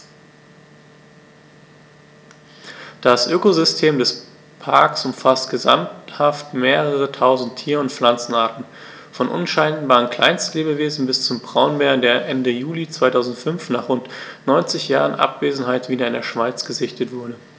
Das Ökosystem des Parks umfasst gesamthaft mehrere tausend Tier- und Pflanzenarten, von unscheinbaren Kleinstlebewesen bis zum Braunbär, der Ende Juli 2005, nach rund 90 Jahren Abwesenheit, wieder in der Schweiz gesichtet wurde.